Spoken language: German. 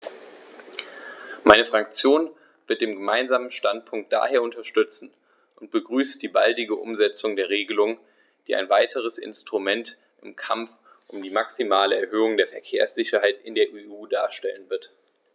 Meine Fraktion wird den Gemeinsamen Standpunkt daher unterstützen und begrüßt die baldige Umsetzung der Regelung, die ein weiteres Instrument im Kampf um die maximale Erhöhung der Verkehrssicherheit in der EU darstellen wird.